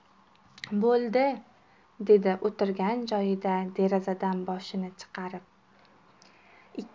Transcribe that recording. bo'ldi dedi o'tirgan joyida derazadan boshini chiqarib